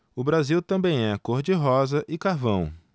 o brasil também é cor de rosa e carvão